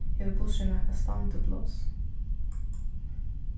hevur bussurin nakað standipláss